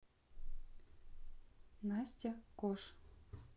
настя кош